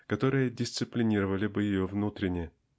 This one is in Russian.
которые дисциплинировали бы ее внутренне.